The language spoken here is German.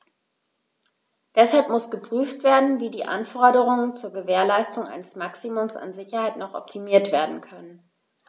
Deshalb muss geprüft werden, wie die Anforderungen zur Gewährleistung eines Maximums an Sicherheit noch optimiert werden können.